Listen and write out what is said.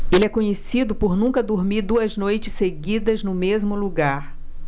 ele é conhecido por nunca dormir duas noites seguidas no mesmo lugar